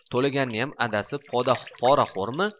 to'laganniyam adasi poraxo'rmi